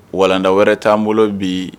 Walanda wɛrɛ t'an bolo bi